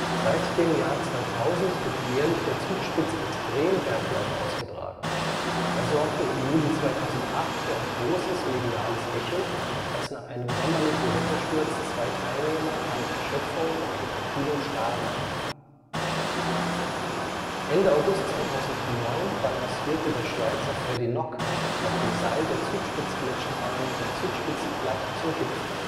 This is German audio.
Seit dem Jahr 2000 wird jährlich der Zugspitz-Extremberglauf ausgetragen. Er sorgte im Juli 2008 für ein großes mediales Echo, als nach einem sommerlichen Wettersturz zwei Teilnehmer an Erschöpfung und Unterkühlung starben. Ende August 2009 balancierte der Schweizer Freddy Nock auf dem Seil der Zugspitz-Gletscherbahn vom Zugspitzplatt zum Gipfel